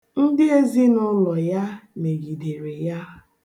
Ndi ezinụụlọ ya megidere ya.